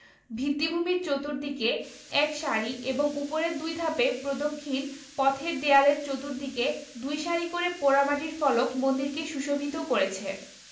ভিত্তিভূমির চতুর্দিকে এক সারি এবং উপরের দুই ধাপের প্রদক্ষিণ পথের দেয়ালের চতুর্দিকে দুই সারি করে পোড়ামাটির ফলক মন্দিরকে সুশোভিত করেছে